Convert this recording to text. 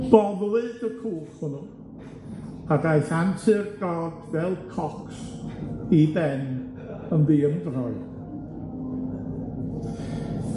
boddwyd y cwch hwnnw, a daeth antur Dodd fel cocs i ben yn ddiymdroi.